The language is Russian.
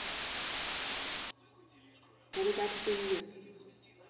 редакция ньюз